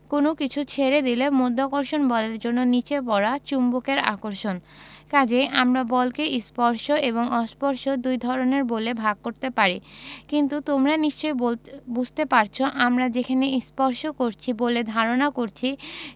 কোনো কিছু ছেড়ে দিলে মাধ্যাকর্ষণ বলের জন্য নিচে পড়া চুম্বকের আকর্ষণ কাজেই আমরা বলকে স্পর্শ এবং অস্পর্শ দুই ধরনের বলে ভাগ করতে পারি কিন্তু তোমরা নিশ্চয়ই বুঝতে পারছ আমরা যেখানে স্পর্শ করছি বলে ধারণা করছি